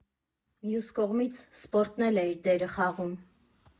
Մյուս կողմից՝ սպորտն էլ է իր դերը խաղում։